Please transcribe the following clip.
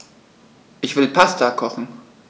Ich will Pasta kochen.